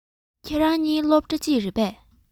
ཁྱེད རང གཉིས སློབ གྲ གཅིག རེད པས